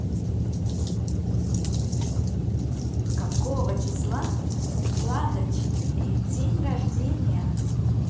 какого числа у влада четыре день рождения